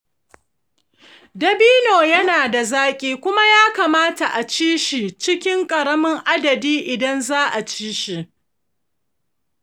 dabino yana da zaƙi kuma ya kamata a ci shi cikin ƙaramin adadi idan za a ci shi.